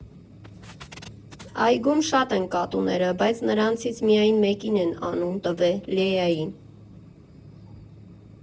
Այգում շատ են կատուները, բայց նրանցից միայն մեկին են անուն տվել՝ Լեային։